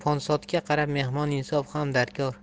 ponsodga qarab mehmon insof ham darkor